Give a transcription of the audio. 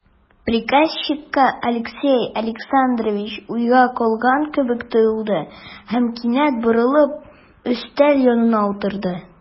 Приказчикка Алексей Александрович уйга калган кебек тоелды һәм, кинәт борылып, өстәл янына утырды.